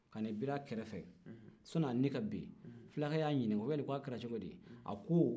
ka n'i bir'a kɛrɛfɛ sani a ni ka bin fulakɛ y'a ɲininkan k'a kɛra cogo di a ko